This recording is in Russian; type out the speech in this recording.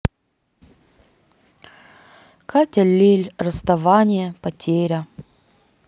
катя лель расставание потеря